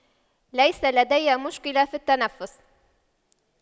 ليس لدي مشكلة في التنفس